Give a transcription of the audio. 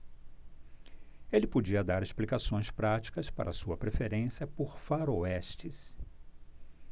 ele podia dar explicações práticas para sua preferência por faroestes